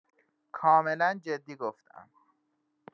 کاملا جدی گفتم.